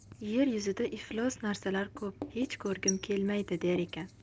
yer yuzida iflos narsalar ko'p hech ko'rgim kelmaydi der ekan